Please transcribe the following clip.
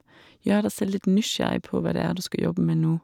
Gjør deg selv litt nysgjerrig på hva det er du skal jobbe med nå.